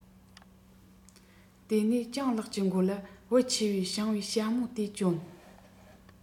དེ ནས སྤྱང ལགས ཀྱི མགོ ལ བུ ཆེ བའི ཕྱིང པའི ཞྭ མོ དེ གྱོན